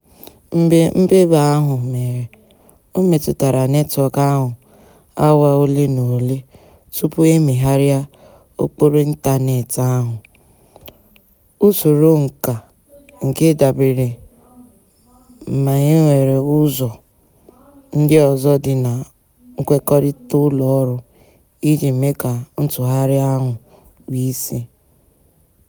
Mgbe mmebi ahụ mere, ọ metụtara netwọk ahụ awa ole na ole tupu e megharịa okporo ịntaneetị ahụ; Usoro nkà nke dabere ma e nwere ụzọ ndị ọzọ dị na nkwekọrịta ụlọọrụ iji mee ka ntụgharị ahụ nwee isi.